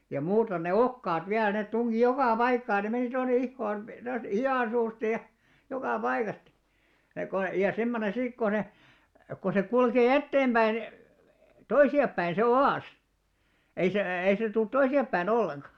ja muuten ne okaat vielä ne tunki joka paikkaan ne meni tuonne ihoon tuosta hihan suusta ja joka paikasta ja kun ja semmoinen siinä kun ne kun se kulkee eteenpäin toisiapäin se oas ei se ei se tule toisinpäin ollenkaan